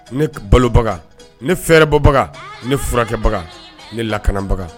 Ne balobaga, ne fɛɛrɛbɔbaga, ne furakɛbaga, ne lakanabaga